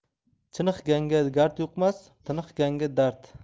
chiniqqanga gard yuqmas tiniqqanga dard